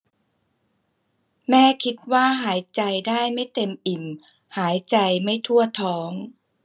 แม่คิดว่าหายใจได้ไม่เต็มอิ่มหายใจไม่ทั่วท้อง